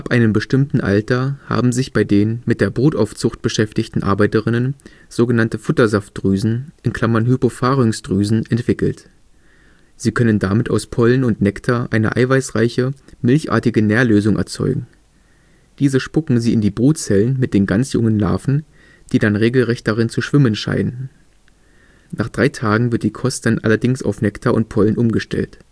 einem bestimmten Alter haben sich bei den mit der Brutaufzucht beschäftigten Arbeiterinnen sogenannte Futtersaftdrüsen (Hypopharynx-Drüsen) entwickelt. Sie können damit aus Pollen und Nektar eine eiweißreiche, milchartige Nährlösung erzeugen. Diese spucken sie in die Brutzellen mit den ganz jungen Larven, die dann regelrecht darin zu schwimmen scheinen. Nach drei Tagen wird die Kost dann allerdings auf Nektar und Pollen umgestellt